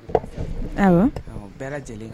Awɔ, u bɛɛ lajɛlen